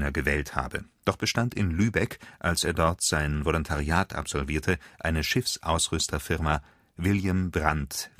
gewählt habe, doch bestand in Lübeck, als er dort sein Volontariat absolvierte, eine Schiffsausrüsterfirma William Brandt